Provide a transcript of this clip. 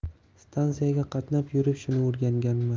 stansiyaga qatnab yurib shuni o'rganganman